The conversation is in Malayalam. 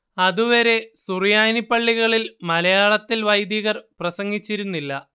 അതുവരെ സുറിയാനി പള്ളികളിൽ മലയാളത്തിൽ വൈദികർ പ്രസംഗിച്ചിരുന്നില്ല